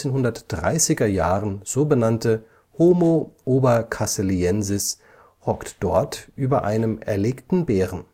1930er Jahren so benannte „ Homo obercasseliensis “hockt dort über einem erlegten Bären